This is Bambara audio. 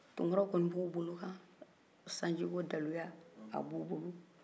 tunkaraw kɔni b' u bolokan sanji ko daluya a b' u bolo